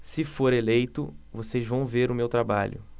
se for eleito vocês vão ver o meu trabalho